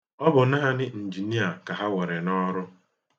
Ọ bụ naanị njinia ka ha were n'ọrụ.